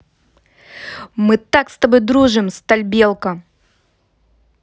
мы так с тобой дружим сталь белка